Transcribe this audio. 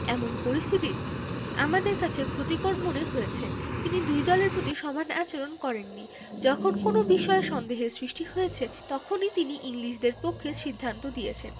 এমন পরিস্থিতি আমাদের কাছে ক্ষতিকর মনে হয়েছে তিনি দুই দলের প্রতি সমান আচরণ করেননি যখন কোনো বিষয়ে সন্দেহের সৃষ্টি হয়েছে তখনই তিনি ইংলিশদের পক্ষে সিদ্ধান্ত দিয়েছেন